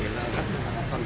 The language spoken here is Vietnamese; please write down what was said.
với